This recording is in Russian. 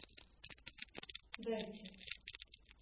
дайте